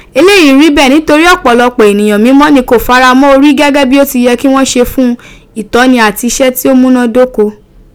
Eleyii ribe nitori opolopo eniyan mimo ni ko fara mo ori gege bi o ti ye ki won se fun itoni ati ise ti o munadoko